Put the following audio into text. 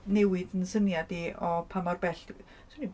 newid ein syniad ni o pan mor bell... swn ni'm...